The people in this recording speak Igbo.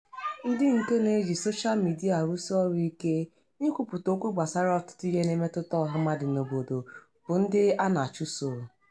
Ndị nke na-eji sosha midia arụsị ọrụ ike n'ikwupụta okwu gbasara ọtụtụ ihe na-emetụta ọha mmadụ n'obodo bụ ndị a na-achụso.